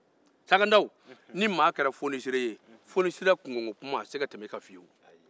saha ndao n i maa kɛra fonisere ye fonisereya kuma tɛ se ka tɛmɛ i kan